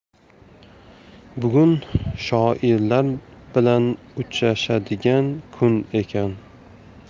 bugun shoirlar bilan uchrashadigan kun ekan